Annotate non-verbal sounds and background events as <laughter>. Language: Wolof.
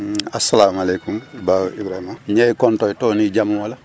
<hesitation> asalaamaaleykum Ba Ibrahima